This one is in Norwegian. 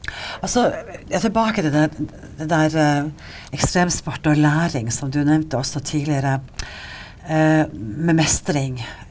altså ja tilbake til det det der ekstremsport og læring som du nevnte også tidligere med mestring.